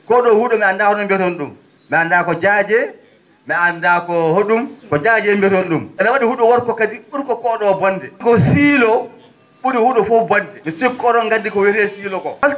koo ?oo hu?o mi anndaa honoo mbiyoron ?um mi anndaa ko jaajee mi anndaa ko ho?um ko jaajee mbiyoron ?um no wa?i hu?o wokko kadi ?urko ko?o bonde ko siilo ?uri hu?o fof bonde mi sikku o?on nganndi ko wiyetee siiloo koo